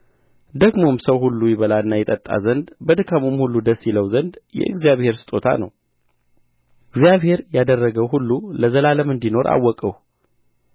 ደግሞም ሰው ሁሉ ይበላና ይጠጣ ዘንድ በድካሙም ሁሉ ደስ ይለው ዘንድ የእግዚአብሔር ስጦታ ነው እግዚአብሔር ያደረገው ሁሉ ለዘላለም እንዲኖር አወቅሁ